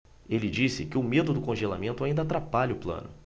ele disse que o medo do congelamento ainda atrapalha o plano